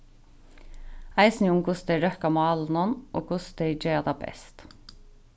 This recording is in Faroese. eisini um hvussu tey røkka málunum og hvussu tey gera tað best